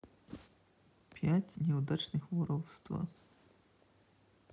пять неудачных воровства